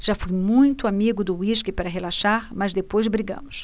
já fui muito amigo do uísque para relaxar mas depois brigamos